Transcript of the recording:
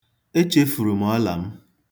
Echefuru m ọla m.